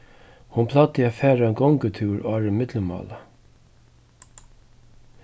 hon plagdi at fara ein gongutúr áðrenn millummála